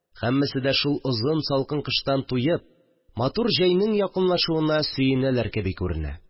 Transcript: Һәммәсе дә, шул озын салкын кыштан туеп, матур җәйнең якынлашуына сөенәләр кеби күренә